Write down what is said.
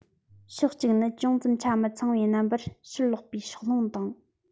ཕྱོགས གཅིག ནི ཅུང ཙམ ཆ མི ཚང བའི རྣམ པར ཕྱིར ལོག པའི ཕྱོགས ལྷུང དང